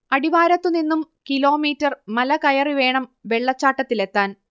അടിവാരത്ത് നിന്നും കിലോമീറ്റർ മലകയറി വേണം വെള്ളച്ചാട്ടത്തിലെത്താൻ